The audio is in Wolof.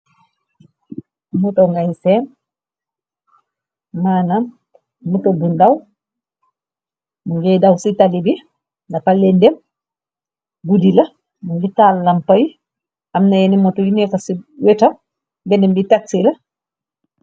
moto ngay seem maanam moto bu ndaw mu ngay daw ci tali bi ndapalee ndem guddi la mu ngi taallampayu am na ene moto yu neexa ci weta benem bi tagi la